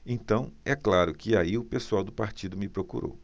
então é claro que aí o pessoal do partido me procurou